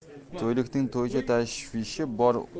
to'ylikning to'ycha tashvishi bor